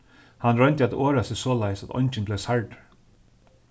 hann royndi at orða seg soleiðis at eingin bleiv særdur